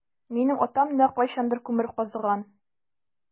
Минем атам да кайчандыр күмер казыган.